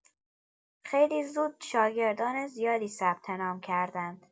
خیلی زود، شاگردان زیادی ثبت‌نام کردند.